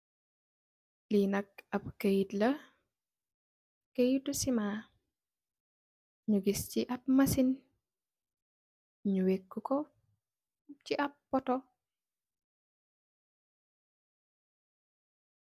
Li nak ap keyt la keyti cemaan nyu gissi ap machine nyu weka ko si ap auto.